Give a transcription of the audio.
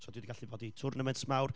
so dwi 'di gallu bod i twrnaments mawr,